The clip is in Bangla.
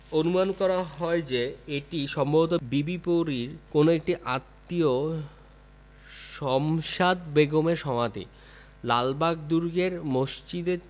অনুমান করা হয় যে এটি সম্ভবত বিবি পরীর কোন এক আত্মীয় শামশাদ বেগমের সমাধি লালবাগ দুর্গের মসজিদটি